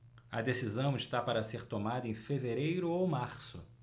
a decisão está para ser tomada em fevereiro ou março